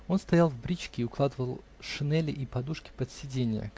Он стоял в бричке и укладывал шинели и подушки под сиденье